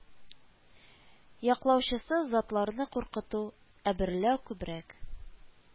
Яклаучысыз затларны куркыту, әберләү күбрәк